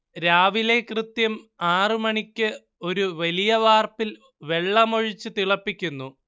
രാവിലെ കൃത്യം ആറ് മണിക്ക് ഒരു വലിയ വാർപ്പിൽ വെള്ളം ഒഴിച്ചു തിളപ്പിക്കുന്നു